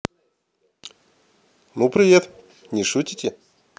ну привет не шутите